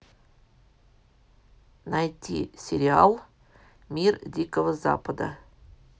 найти сериал мир дикого запада